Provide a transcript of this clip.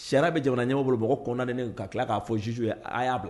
Saya bɛ jamana ɲɛmɔgɔbolo bolobagaw kɔnɛ kan ka tila k'a fɔ szo ye a y'a bila